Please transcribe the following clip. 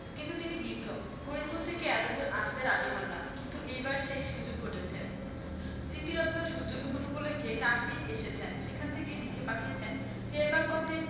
কিন্তু তিনি বৃদ্ধ ফরিদপুর থেকে এতদূরে আসতে রাজী হন না কিন্তু এইবার সেই সুযোগ ঘটেছে স্মৃতিরত্ন সূর্যগ্রহণ উপলক্ষে কাশী এসেছেন সেখান থেকে লিখে পাঠিয়েছেন ফেরবার পথে